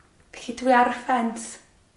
Felly dwi ar ffens